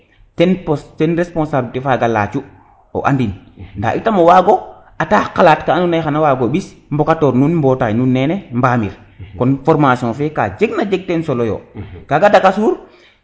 ten ten responsabliter faga lacu o andin nda itam o wago ata xalat ka ando naye xana wago ɓis mbokator nuun mbotay nuun nene mbamir kon formation fe ka jag na jag ten solo yo kaga dako suur